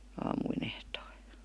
aamuin ehtoolla